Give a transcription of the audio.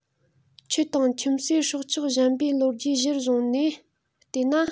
ཁྱི དང ཁྱིམ གསོས སྲོག ཆགས གཞན པའི ལོ རྒྱུས གཞིར བཟུང ནས བལྟས ན